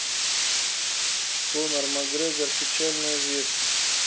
конор макгрегор печально известный